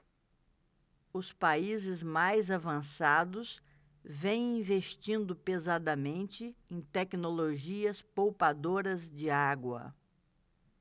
os países mais avançados vêm investindo pesadamente em tecnologias poupadoras de água